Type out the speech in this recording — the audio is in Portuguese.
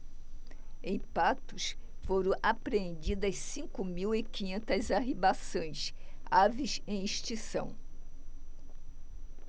em patos foram apreendidas cinco mil e quinhentas arribaçãs aves em extinção